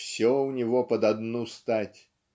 все у него под одну стать